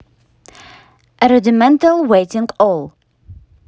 rudimental waiting all